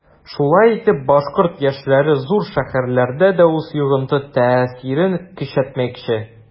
Шулай итеп башкорт яшьләре зур шәһәрләрдә дә үз йогынты-тәэсирен көчәйтмәкче.